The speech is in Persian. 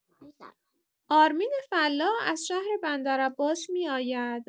آرمین فلاح از شهر بندرعباس می‌آید.